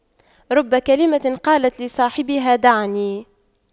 رب كلمة قالت لصاحبها دعني